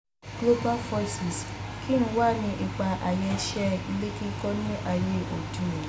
Global Voices (GV): Kí wá ni ipa ayaṣẹ́-ilé-kíkọ́ ní ayé òde òní?